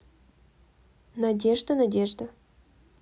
надежда надежда